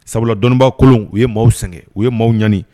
Sabula dɔnnibaa kolon, u ye maaw sɛgɛn, u ye maaw ɲɛni